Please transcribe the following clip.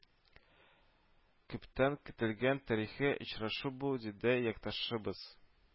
Күптән көтелгән тарихи очрашу бу, диде якташыбыз